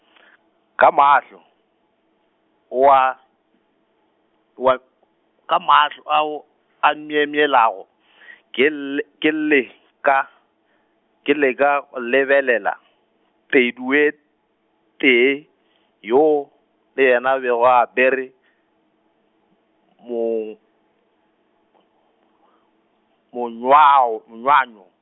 ka mahlo, wa, wa, ka mahlo ao , a myemyelago , ke le ke leka, ke leka lebelela, Teduetee, yeo be yena be wa apere, mo , monywao- monywanyo.